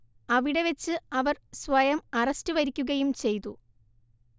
അവിടെ വച്ച് അവർ സ്വയം അറസ്റ്റ് വരിക്കുകയും ചെയ്തു